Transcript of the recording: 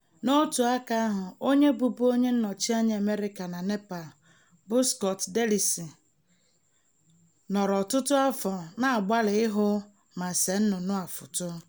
N'otu aka ahụ, onye bụbu onye nnọchianya America na Nepal bụ Scott DeLisi nọrọ ọtụtụ afọ na-agbalị ịhụ ma see nnụnụ a foto.